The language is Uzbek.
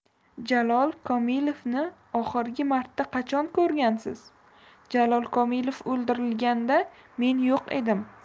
jalol komilovni oxirgi marta qachon ko'rgansiz jalol komilov o'ldirilganda men yo'q edim